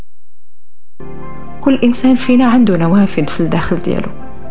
كل انسان فينا عنده نواف دخل الديره